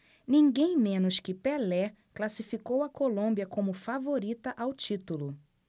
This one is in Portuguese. ninguém menos que pelé classificou a colômbia como favorita ao título